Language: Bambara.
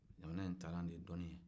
dɔnni ye jamana in taalan ye